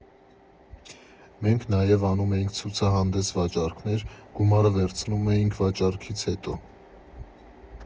Մենք նաև անում էինք ցուցահանդես֊վաճառքներ, գումարը վերցնում էինք վաճառքից հետո։